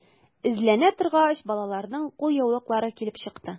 Эзләнә торгач, балаларның кулъяулыклары килеп чыкты.